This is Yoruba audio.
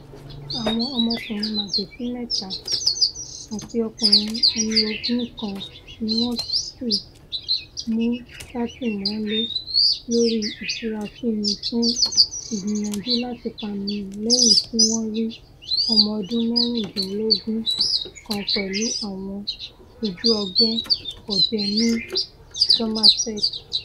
Àwọn ọmọkùnrin màjèsín mẹ́ta àti ọkùnrin ẹni ogún kan ni wọ́n ti mú sátìmọ́lé lórí ìfurasínì fún ìgbìyànjú láti pàniyàn lẹ́yìn tí wọ́n rí ọmọ ọdún mẹ́rìndínlógún kan pẹ̀lú àwọn ojú-ọgbẹ́ ọ̀bẹ ní Somerset.